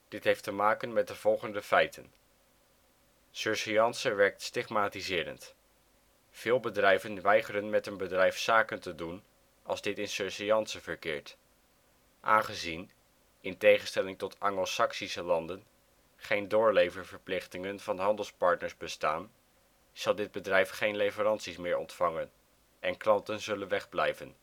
Dit heeft te maken met de volgende feiten: Surseance werkt stigmatiserend. Veel bedrijven weigeren met een bedrijf zaken te doen als dit in surseance verkeert. Aangezien, in tegenstelling tot angelsaksische landen, geen doorleververplichtingen van handelspartners bestaan, zal dit bedrijf geen leveranties meer ontvangen, en klanten zullen wegblijven